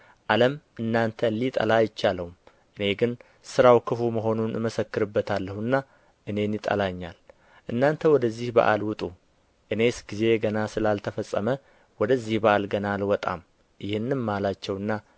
ዓለም እናንተን ሊጠላ አይቻለውም እኔ ግን ሥራው ክፉ መሆኑን እመሰክርበታለሁና እኔን ይጠላኛል እናንተ ወደዚህ በዓል ውጡ እኔስ ጊዜዬ ገና ስላልተፈጸመ ወደዚህ በዓል ገና አልወጣም ይህንም አላቸውና